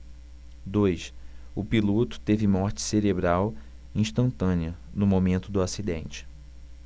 dois o piloto teve morte cerebral instantânea no momento do acidente